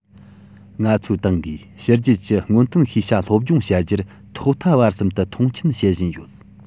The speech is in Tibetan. ང ཚོའི ཏང གིས ཕྱི རྒྱལ གྱི སྔོན ཐོན ཤེས བྱ སློབ སྦྱོང བྱ རྒྱུར ཐོག མཐའ བར གསུམ དུ མཐོང ཆེན བྱེད བཞིན ཡོད